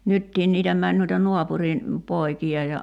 nytkin niitä meni noita naapurin poikia ja